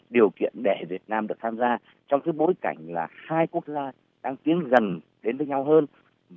điều kiện để việt nam được tham gia trong bối cảnh là hai quốc gia đang tiến gần đến với nhau hơn